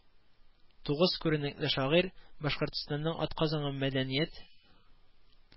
Тугыз күренекле шагыйрь, башкортстанның атказанган мәдәният